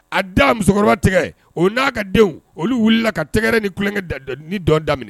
A da musokɔrɔba tigɛ o n'a ka denw olu wulila ka tɛgɛɛrɛ ni tulonkɛ da ni dɔn da